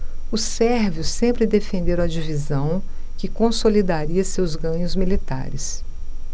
os sérvios sempre defenderam a divisão que consolidaria seus ganhos militares